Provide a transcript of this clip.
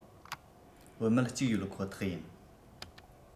བུད མེད གཅིག ཡོད ཁོ ཐག ཡིན